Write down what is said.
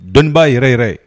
Dɔnnibaaa yɛrɛ yɛrɛ